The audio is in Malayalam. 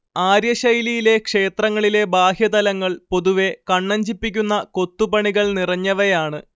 ആര്യശൈലിയിലെ ക്ഷേത്രങ്ങളിലെ ബാഹ്യതലങ്ങൾ പൊതുവെ കണ്ണഞ്ചിപ്പിക്കുന്ന കൊത്തുപണികൾ നിറഞ്ഞവയാണ്